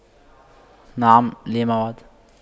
نعم لي موعد